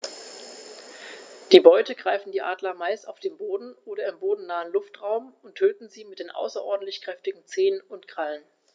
Die Beute greifen die Adler meist auf dem Boden oder im bodennahen Luftraum und töten sie mit den außerordentlich kräftigen Zehen und Krallen.